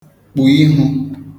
kpu ihu